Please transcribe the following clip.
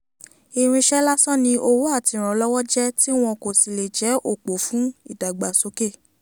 Irinṣẹ́ lásán ni owó àti ìrànlọ́wọ́ jẹ́ tí wọn kò sì lè jẹ́ òpó fún ìdàgbàsókè.